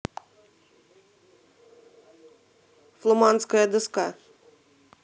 фломанская доска